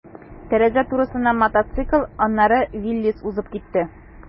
Тәрәзә турысыннан мотоцикл, аннары «Виллис» узып китте.